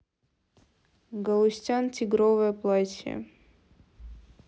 галустян тигровое платье